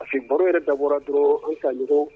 Parce que baro yɛrɛ dabɔ dɔrɔn an ka ɲɔgɔn